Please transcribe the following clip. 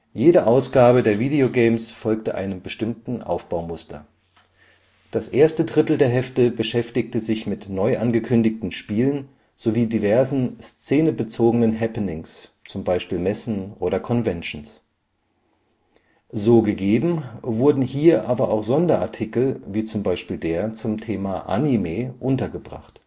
Jede Ausgabe der Video Games folgte einem bestimmten Aufbaumuster. Das erste Drittel der Hefte beschäftigte sich mit neu angekündigten Spielen sowie diversen szenebezogenen Happenings (Messen, Conventions…). So gegeben, wurden hier aber auch Sonderartikel (wie z.B. der zum Thema Anime) untergebracht